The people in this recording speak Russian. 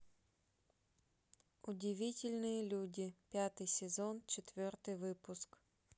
удивительные люди пятый сезон четвертый выпуск